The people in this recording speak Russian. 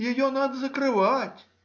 — ее надо закрывать.